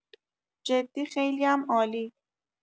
جدی خیلی‌ام عالی